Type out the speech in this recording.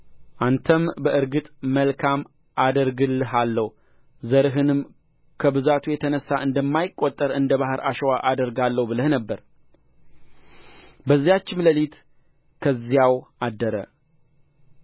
አንተም በእርግጥ መልካም አደርግልሃለሁ ዘርህንም ከብዛቱ የተነሣ እንደማይቈጠር እንደ ባሕር አሸዋ አደርጋለሁ ብለህ ነበር በዚያችም ሌሊት ከዚያው አደረ